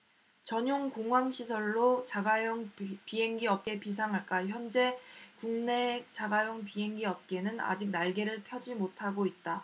전용 공항 시설로 자가용 비행기 업계 비상할까현재 국내 자가용 비행기 업계는 아직 날개를 펴지 못하고 있다